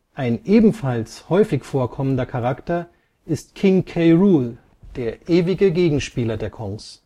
Ein ebenfalls häufig vorkommender Charakter ist King K. Rool, der ewige Gegenspieler der Kongs